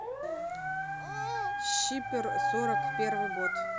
sniper сорок первый год